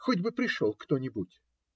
Хоть бы пришел кто-нибудь!